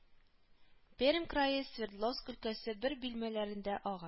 Пермь крае, Свердловск өлкәсе бер биләмәләрендә ага